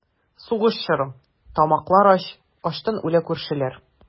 Сугыш чоры, тамаклар ач, Ачтан үлә күршеләр.